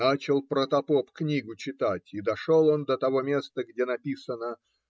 Начал протопоп книгу читать и дошел он до того места, где написано